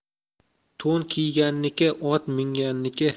to'n kiyganniki ot minganniki